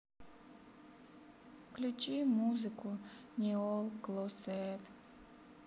включи музыку нейол клосед